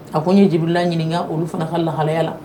A ko n ye jeli ɲininka olu fana ka lahalaya la